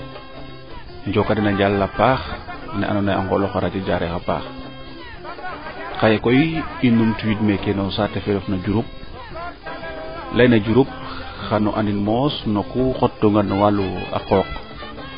njoko dena njal a paax no ando naye a ngolaxa a jareekh a paax xaye koy i numtu wiid meeke no saate fe refna Diouroup leyna Diouroup xano andee moos no kuu xot toona no walu a qooq